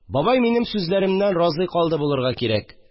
Бабай минем сүзләремнән разый калды булырга кирәк